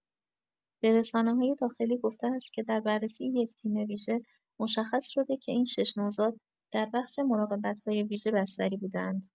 به رسانه‌های داخلی گفته است که در بررسی یک تیم ویژه، مشخص‌شده که این شش نوزاد در بخش مراقبت‌های ویژه بستری بوده‌اند.